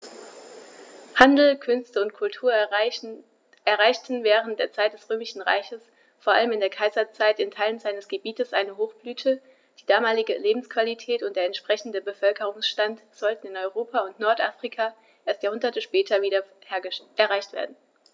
Handel, Künste und Kultur erreichten während der Zeit des Römischen Reiches, vor allem in der Kaiserzeit, in Teilen seines Gebietes eine Hochblüte, die damalige Lebensqualität und der entsprechende Bevölkerungsstand sollten in Europa und Nordafrika erst Jahrhunderte später wieder erreicht werden.